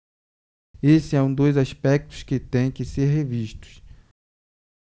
esse é um dos aspectos que têm que ser revistos